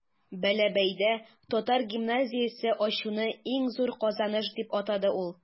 Бәләбәйдә татар гимназиясе ачуны иң зур казаныш дип атады ул.